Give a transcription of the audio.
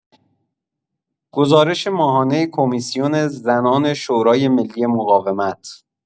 گزارش ماهانه کمیسیون زنان شورای‌ملی مقاومت